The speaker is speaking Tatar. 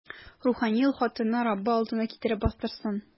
Рухани ул хатынны Раббы алдына китереп бастырсын.